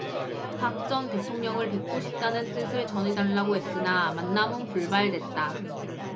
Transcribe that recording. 박 전 대통령을 뵙고 싶다는 뜻을 전해달라고 했으나 만남은 불발됐다